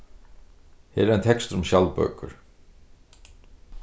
her er ein tekstur um skjaldbøkur